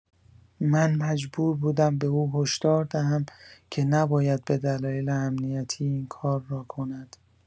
من مجبور بودم به او هشدار دهم که نباید به دلایل امنیتی این کار را کند.